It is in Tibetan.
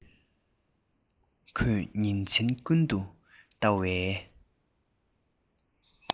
ཁོས ཉིན མཚན ཀུན ཏུ ལྟ བའི